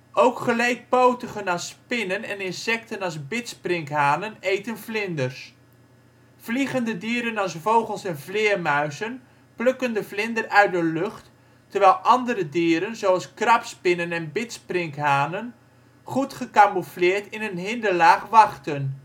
Ook geleedpotigen als spinnen en insecten als bidsprinkhanen eten vlinders. Vliegende dieren als vogels en vleermuizen plukken de vlinder uit de lucht, terwijl andere dieren zoals krabspinnen en bidsprinkhanen goed gecamoufleerd in een hinderlaag wachten